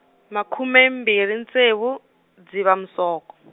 makume mbirhi ntsevu, Dzivamusoko.